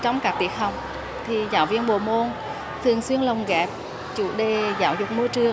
trong các tiết học thì giáo viên bộ môn thường xuyên lồng ghép chủ đề giáo dục môi trường